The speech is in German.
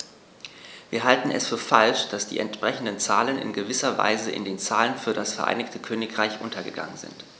Wir halten es für falsch, dass die entsprechenden Zahlen in gewisser Weise in den Zahlen für das Vereinigte Königreich untergegangen sind.